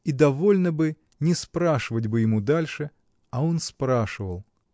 И довольно бы, не спрашивать бы ему дальше, а он спрашивал!